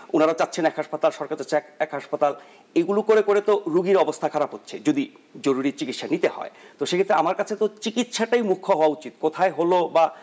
উনারা চাচ্ছেন এক হাসপাতাল সরকার চাচ্ছে এক হাসপাতাল এগুলো করে করে তো রোগীর অবস্থা খারাপ হচ্ছে যদি জরুরি চিকিৎসা দিতে হয় সেক্ষেত্রে আমার কাছে তো চিকিৎসা টাই মুখ্য হওয়া উচিত কোথায় হল বা